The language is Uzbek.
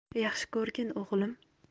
yaxshi ko'rgin o'g'lim